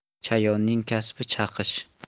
chayonning kasbi chaqish